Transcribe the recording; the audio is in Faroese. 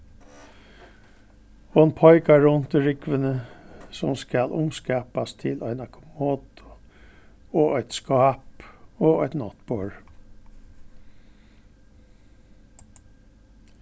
hon peikar runt í rúgvuni sum skal umskapast til eina kommodu og eitt skáp og eitt náttborð